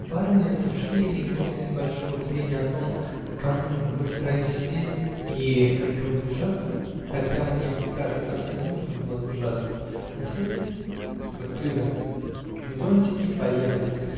Барыни сошли и после небольшого прения о том, кому на какой стороне сидеть и за кого держаться (хотя, мне кажется, совсем не нужно было держаться}, уселись, раскрыли зонтики и поехали.